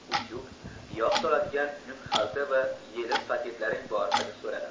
utyug giyoh soladigan yukxalta va yelim paketlaring bormi deb so'radi